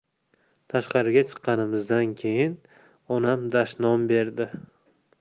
tashqariga chiqqanimizdan keyin onam dashnom berdi